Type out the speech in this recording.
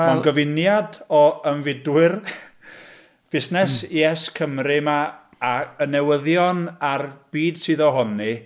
Mae'n gyfuniad o ymfudwyr, busnes YesCymru 'ma, a y newyddion a'r byd sydd ohoni.